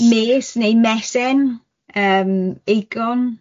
Mes neu mesen, yym acorn.